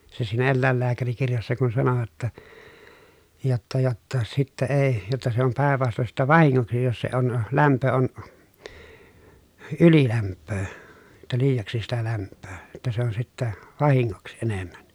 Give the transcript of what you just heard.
se siinä eläinlääkärikirjassa kun sanovat jotta jotta jotta sitten ei jotta se on päin vastoin sitten vahingoksi jos se on lämpö on ylilämpöä jotta liiaksi sitä lämpöä jotta se on sitten vahingoksi enemmän